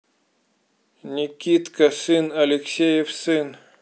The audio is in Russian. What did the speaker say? никитка сын алексеев сын